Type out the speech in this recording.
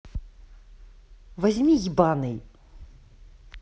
возьми ебаный